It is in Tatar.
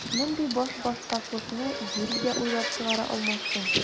Мондый башбаштаклыкны юри дә уйлап чыгара алмассың!